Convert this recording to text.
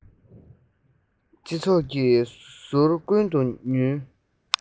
སྤྱི ཚོགས ཀྱི ཟུར ཀུན ཏུ ཉུལ